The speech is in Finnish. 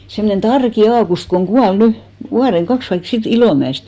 semmoinen Tarkin Aukusti kun kuoli nyt vuoden kaksi tai siitä Ilomäestä